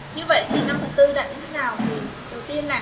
như vậy thì đặt như thế nào thì đầu tiên